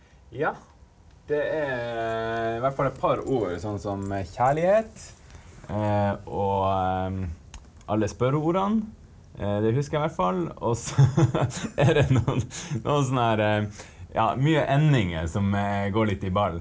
ja det er i hvert fall et par ord sånn som kjærlighet og alle spørreordene det husker jeg hvert fall og så er det noen noen sånn der ja mye endinger som går litt i ball.